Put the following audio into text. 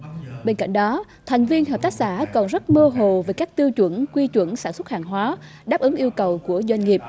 bên cạnh đó thành viên hợp tác xã còn rất mơ hồ về các tiêu chuẩn quy chuẩn sản xuất hàng hóa đáp ứng yêu cầu của doanh nghiệp